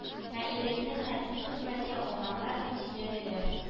Ә ирекне хәрби хезмәткә алганнар дип сөйләделәр